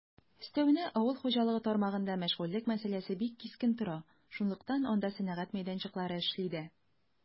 Өстәвенә, авыл хуҗалыгы тармагында мәшгульлек мәсьәләсе бик кискен тора, шунлыктан анда сәнәгать мәйданчыклары эшли дә.